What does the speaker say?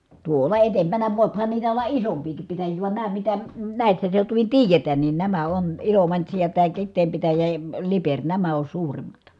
tuolla edempänä voihan niitä olla isompiakin pitäjiä vaan nämä mitä näissä seutuvin tiedetään niin nämä on Ilomantsi ja tämä Kiteen pitäjä ja - Liperi nämä on suurimmat